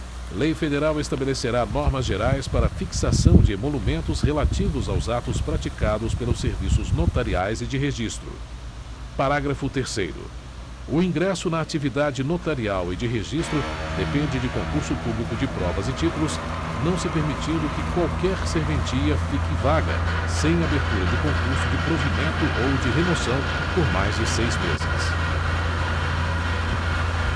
lei federal estabelecerá normas gerais para fixação de emolumentos relativos aos atos praticados pelos serviços notariais e de registro parágrafo terceiro o ingresso na atividade notarial e de registro depende de concurso público de provas e títulos não se permitindo que qualquer serventia fique vaga sem abertura de concurso de provimento ou de remoção por mais de seis meses